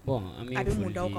Bon an bee foli di a be mun d'aw ka